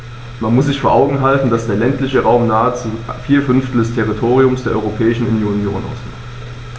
Man muss sich vor Augen halten, dass der ländliche Raum nahezu vier Fünftel des Territoriums der Europäischen Union ausmacht.